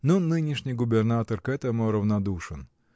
но нынешний губернатор к этому равнодушен.